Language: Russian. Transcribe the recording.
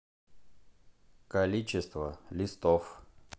количество листов